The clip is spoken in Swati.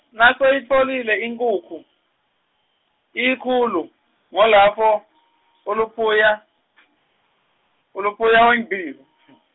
nasoyitfolile inkuku- iyinkhulu ngulapho uluphuya , uluphuya wengcile .